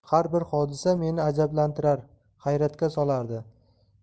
har bir hodisa meni ajablantirar hayratga